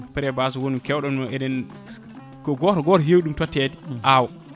pré-base woni kewɗen o eɗen ko goto goto heewi ɗum tottede awa